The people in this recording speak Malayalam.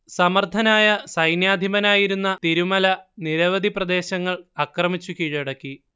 സമർഥനായ സൈന്യാധിപനായിരുന്ന തിരുമല നിരവധി പ്രദേശങ്ങൾ ആക്രമിച്ചു കീഴടക്കി